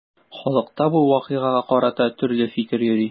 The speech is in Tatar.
Халыкта бу вакыйгага карата төрле фикер йөри.